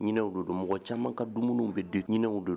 Ɲinɛw de don mɔgɔ caman ka dumuniw bɛ don ɲinɛw de don